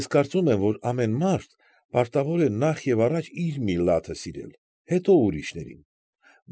Ես կարծում եմ, որ ամեն մարդ պարտավոր է նախ և առաջ իր միլլաթը սիրել, հետո ուրիշներին։